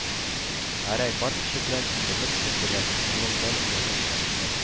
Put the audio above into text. Гәрәй бар көче белән тибенеп селкенә, шуның белән уянып та китә